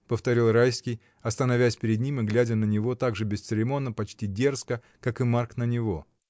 — повторил Райский, остановясь перед ним и глядя на него так же бесцеремонно, почти дерзко, как и Марк на него.